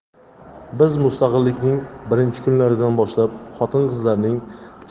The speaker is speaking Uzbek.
biz mustaqillikning birinchi kunlaridan boshlab xotin qizlarning